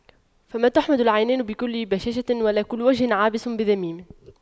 فما تحمد العينان كل بشاشة ولا كل وجه عابس بذميم